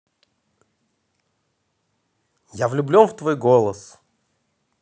я влюблен в твой голос